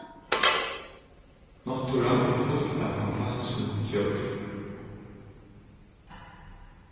náttúran er full av fantastiskum djórum